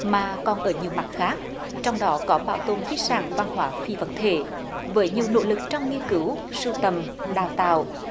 mà còn ở nhiều mặt khác trong đó có bảo tồn di sản văn hóa phi vật thể với nhiều nỗ lực trong nghiên cứu sưu tầm đào tạo